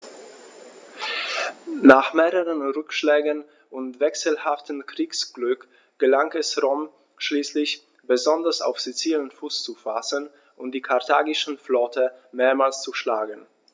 Nach mehreren Rückschlägen und wechselhaftem Kriegsglück gelang es Rom schließlich, besonders auf Sizilien Fuß zu fassen und die karthagische Flotte mehrmals zu schlagen.